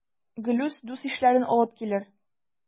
Гелүс дус-ишләрен алып килер.